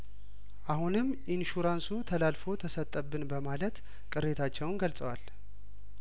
አሁንም ኢንሹራንሱ ተላልፎ ተሰጠብን በማለት ቅሬታቸውን ገልጸዋል